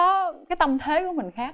cái tâm thế của mình khác